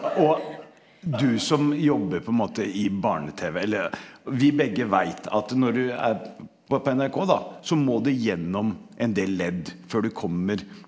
og du som jobber på en måte i barne-tv eller vi begge veit at når du er var på NRK da så må du gjennom en del ledd før du kommer.